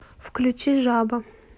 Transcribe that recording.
включи жаба